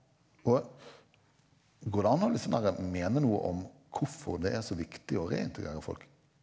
og går det an å litt sånn derre mene noe om hvorfor det er så viktig å reintegrere folk?